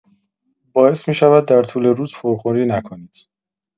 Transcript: باعث می‌شود در طول روز پرخوری نکنید.